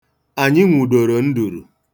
Anyị nwụdoro nduru.